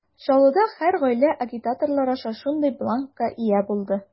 Чаллыда һәр гаилә агитаторлар аша шундый бланкка ия булды.